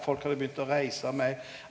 folk hadde begynt å reisa meir.